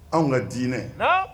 Anw ka diinɛ